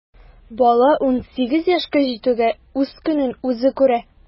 Бала унсигез яшькә җитүгә үз көнен үзе күрә.